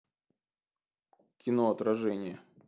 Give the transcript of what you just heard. кино отражение